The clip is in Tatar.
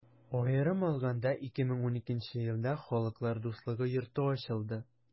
Аерым алаганда, 2012 нче елда Халыклар дуслыгы йорты ачылды.